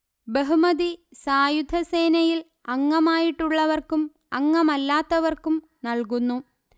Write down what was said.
ബഹുമതി സായുധസേനയിൽ അംഗമായുള്ളവർക്കും അംഗമല്ലാത്തവർക്കും നൽകുന്നു